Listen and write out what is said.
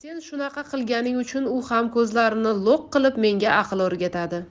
sen shunaqa qilganing uchun u ham ko'zlarini lo'q qilib menga aql o'rgatadi